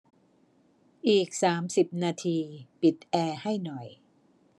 อีกสามสิบนาทีปิดแอร์ให้หน่อย